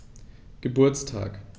Geburtstag